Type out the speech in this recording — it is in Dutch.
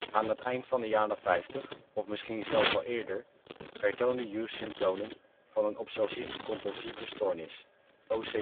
Aan het eind van de jaren vijftig of misschien zelfs al eerder, vertoonde Hughes symptomen van een obsessief-compulsieve stoornis (OCS